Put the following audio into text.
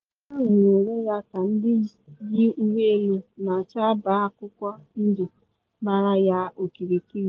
Aguero hụrụ onwe ya ka ndị yi uwe elu na acha agba akwụkwọ ndụ gbara ya okirikiri.